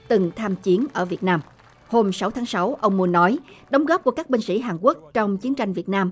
từng tham chiến ở việt nam hôm sáu tháng sáu ông mun nói đóng góp của các binh sĩ hàn quốc trong chiến tranh việt nam